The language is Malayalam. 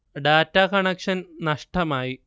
ഡാറ്റ കണക്ഷൻ നഷ്ടമായി